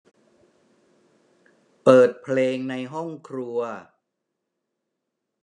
เปิดเพลงในห้องครัว